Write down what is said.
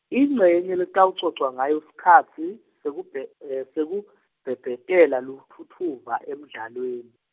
incenye lekutawucocwa ngayo sikhatsi, sekubhe- sekubhebhetela lutfutfuva emdlalweni.